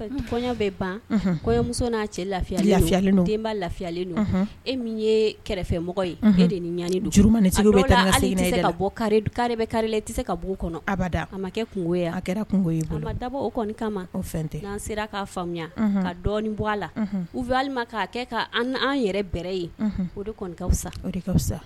Kɔɲɔ bɛ ban kɔɲɔmuso n'a cɛ lafiya lafiyale den lafiyalen don e min ye kɛrɛfɛmɔgɔ ye e de nin ɲani bɔ kari kari tɛse se ka kɔnɔ a dabɔ o ma an sera kaa faamuya ka dɔɔnin bɔ a la u bi walima kɛ an yɛrɛ bɛrɛ ye o de fisa